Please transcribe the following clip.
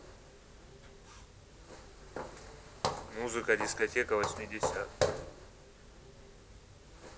музыка дискотека восьмидесятых